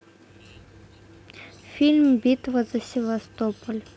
фильм битва за севастополь